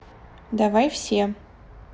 давай все